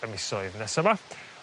y misoydd nesa 'ma.